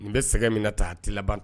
N bɛ sɛgɛ min na ta a t labanban